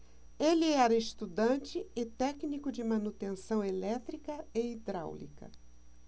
ele era estudante e técnico de manutenção elétrica e hidráulica